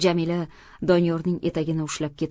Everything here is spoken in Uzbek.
jamila doniyorning etagini ushlab ketib